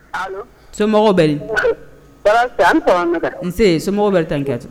Alo ? Somɔgɔw bɛ di ? Tɔrɔ si te yen. A ni sɔgɔma Aminata. Unse, a ni sɔgɔma tante kiyatu ?